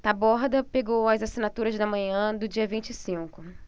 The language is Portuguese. taborda pegou as assinaturas na manhã do dia vinte e cinco